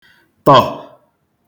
tọ̀